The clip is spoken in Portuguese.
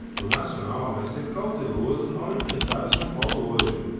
o nacional vai ser cauteloso ao enfrentar o são paulo hoje